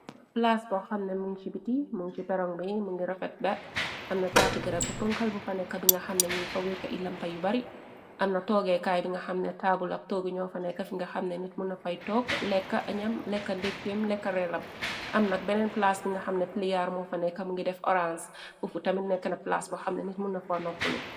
Plaas bo xamne muñ ci biti muñ ci perongmey mu ngi rafet. Ba amna taati gërab bu pënkal bu faneka bi nga xamne ñin fa weeka itlampa yu bari. Amna toogekaay bi nga xamne taabulak toogi ñoo fane ka.Fi nga xamne nit mu na fay took lekka añam lekka ndekkeem lekka reelam. Amnak beneen plaas bi nga xamne pliyar moo fanekam ngi def orange. Fofu tamit nekkna plaas bo xamne nit mu na fa nopplo.